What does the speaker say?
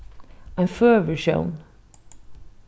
ein føgur sjón